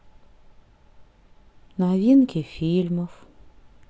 новинки фильмов